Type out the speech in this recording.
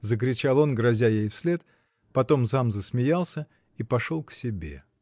— закричал он, грозя ей вслед, потом сам засмеялся и пошел к себе.